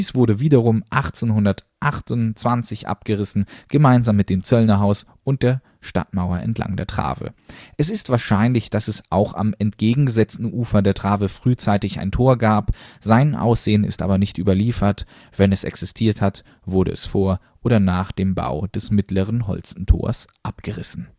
wurde wiederum 1828 abgerissen, gemeinsam mit dem Zöllnerhaus und der Stadtmauer entlang der Trave. Es ist wahrscheinlich, dass es auch am entgegengesetzten Ufer der Trave frühzeitig ein Tor gab. Sein Aussehen ist aber nicht überliefert. Wenn es existiert hat, wurde es vor oder nach dem Bau des Mittleren Holstentors abgerissen